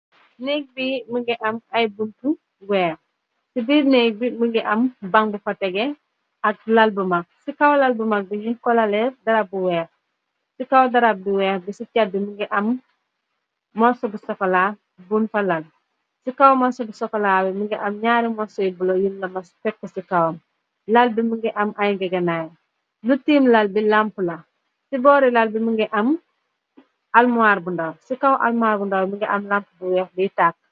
nekk bi mi ngi am ay bunt weex ci biir nekk bi mi ngi am bangu fa tege ak lal bu mag ci kaw lal bu mag bi ñuy kolale darab bu weex ci kaw darab bu weex bi ci caddi mingi am morso bu stafala bun fa lal ci kaw monso bi sokolaawe mi ngi am ñaari morsoy bulo yin lama fekk ci kawam lal bi mëngi am ay ngegenaay lu tiim lal bi lamp la ci boori lal bi mingi am d ci kaw almoaar bu ndaw mingi am lamp bu weex bi tàkk